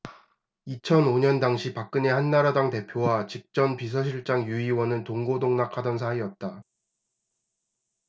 이천 오 년 당시 박근혜 한나라당 대표와 직전 비서실장 유 의원은 동고동락하던 사이었다